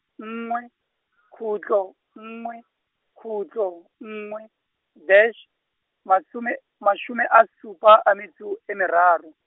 nngwe, kgutlo, nngwe, kgutlo, nngwe, dash, mashome, mashome a supa a metso, e meraro.